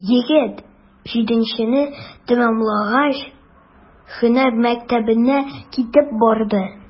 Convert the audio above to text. Егет, җиденчене тәмамлагач, һөнәр мәктәбенә китеп барды.